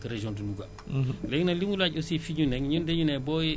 loolu moo tax ñoom seen taux bokkul ak taux bu nekk région de Louga